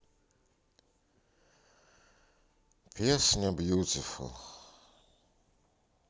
песня бьютифул